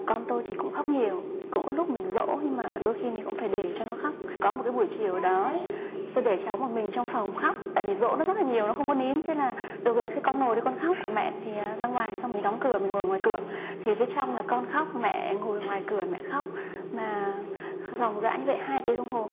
con tôi thì cũng khóc nhiều cũng có lúc mình dỗ nhưng mà đôi khi mình cũng phải để cho nó khóc có một cái buổi chiều đó tôi để cháu một mình trong phòng khóc tại vì dỗ nó rất là nhiều nó không có nín thế là được rồi thế con ngồi đây con khóc còn mẹ thì ra ngoài xong mình đóng cửa mình ngồi ngoài cửa thì phía trong là con khóc mẹ ngồi ngoài cửa mẹ khóc mà ròng rã như vậy hai tiếng đồng hồ